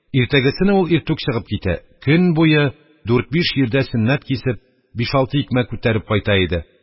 Иртәгесене ул иртүк чыгып китә, көн буе дүрт-биш йирдә сөннәт кисеп, биш-алты икмәк күтәреп кайта иде.